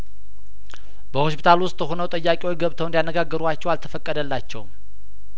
በሆስፒታል ውስጥ ሁነው ጠያቂዎች ገብተው እንዲያነጋግሯቸው አልተፈቀደ ላቸውም